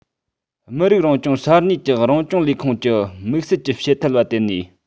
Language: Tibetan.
མི རིགས རང སྐྱོང ས གནས ཀྱི རང སྐྱོང ལས ཁུངས ཀྱི དམིགས བསལ གྱི བྱེད ཐབས ལ བརྟེན ནས